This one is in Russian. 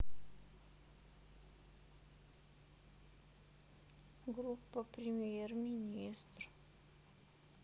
группа премьер министр